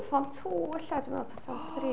Form two ella dwi'n meddwl, ta form three?